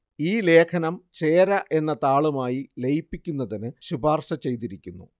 ഈ ലേഖനം ചേര എന്ന താളുമായി ലയിപ്പിക്കുന്നതിന് ശുപാർശ ചെയ്തിരിക്കുന്നു